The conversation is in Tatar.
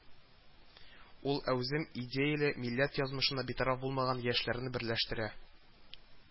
Ул әүзем, идеяле, милләт язмышына битараф булмаган яшьләрне берләштерә